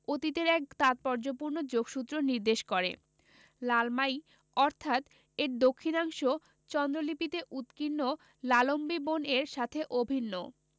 অতীতের এক তাৎপর্যপূর্ণ যোগসূত্র নির্দেশ করে লালমাই অর্থাৎ এর দক্ষিণাংশ চন্দ্র লিপিতে উৎকীর্ণ লালম্বী বন এর সাথে অভিন্ন